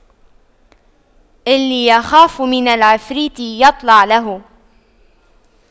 اللي يخاف من العفريت يطلع له